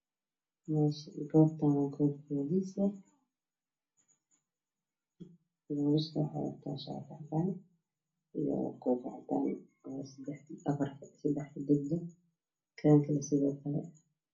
Meshan waa mel bolis baliska wexey wataan shati cadan ah kofi cadan sedax xidig kan kale sidoo kale